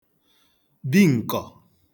bi ǹkọ̀